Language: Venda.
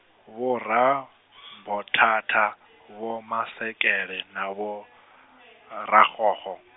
Vho Rabothata Vho Masekela na Vho Rakgokgo.